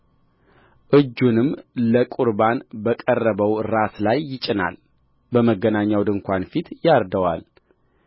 እጁንም ለቍርባን በቀረበው ራስ ላይ ይጭናል በመገናኛው ድንኳን ፊት ያርደዋል የአሮንም ልጆች ደሙን በመሠዊያው ላይ በዙሪያው ይረጩታል